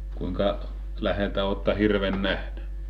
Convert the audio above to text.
kuinka läheltä olette hirven nähnyt